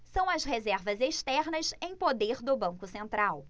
são as reservas externas em poder do banco central